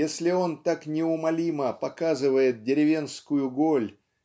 Если он так неумолимо показывает деревенскую голь